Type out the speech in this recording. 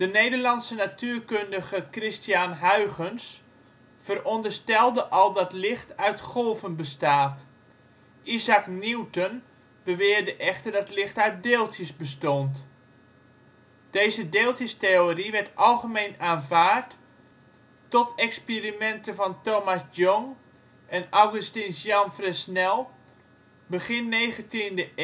Nederlandse natuurkundige Christiaan Huygens veronderstelde al dat licht uit golven bestaat. Isaac Newton beweerde echter dat licht uit deeltjes bestond. Deze deeltjestheorie werd algemeen aanvaard, tot experimenten van Thomas Young en Augustin-Jean Fresnel begin 19e eeuw